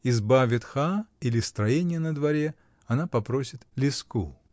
Изба ветха или строение на дворе, она попросит леску.